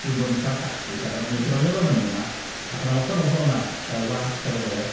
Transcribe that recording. Dwi'n bod yn sarcastic achos mi droiodd o fyny 'na, ac o' 'na lot o fobl yna, y wasg a pob peth.